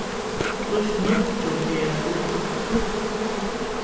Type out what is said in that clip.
trýst níggju fyri at sletta